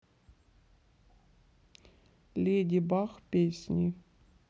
леди баг песни